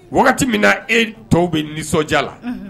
Wagati min na e tɔw bɛ nisɔndiya la